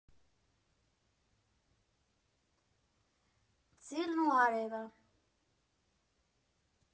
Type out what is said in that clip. «Ծիլն ու արևը»